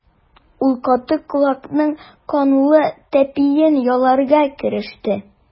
Ул каты колакның канлы тәпиен яларга кереште.